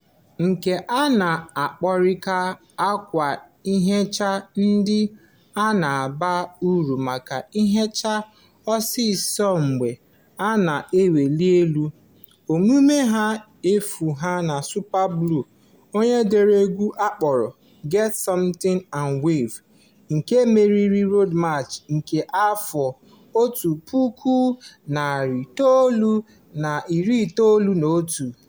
Nke a na-akpọkarị "akwa nhicha", ndị a na-aba uru maka ihicha ọsụsọ mgbe "a na-awụli elu". Omume ahụ efughị na Super Blue, onye dere egwu a kpọrọ "Get Something and Wave", nke meriri Road March nke 1991.